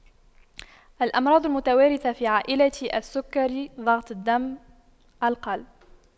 الأمراض المتوارثة في عائلتي السكري ضغط الدم القلب